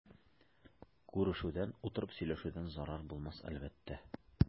Күрешүдән, утырып сөйләшүдән зарар булмас әлбәттә.